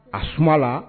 A suma la